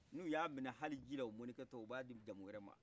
n'u y'aminai hali jila u mɔnikɛ tɔ uba di jamu wɛrɛma